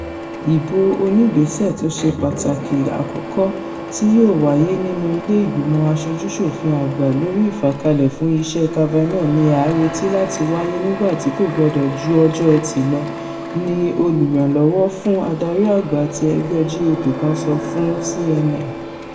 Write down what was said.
Ìbò oníìgbésẹ̀ tóṣe pàtàkì àkọ́kọ́ tí yóò wáyé nínú ilé ìgbìmọ̀ Aṣojú-ṣòfin Àgbà lórí ìfàkalẹ̀ fún iṣẹ́ Kavanaugh ni a réti làti waye nígbàtí kò gbọdọ̀ ju ọjọ́ Ẹtì lọ, ni olùránlọ́wọ́ fún adarí àgbà ti ẹgbẹ́ GOP kan sọ fún CNN.